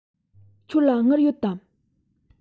ཁྱོད ལ དངུལ ཡོད དམ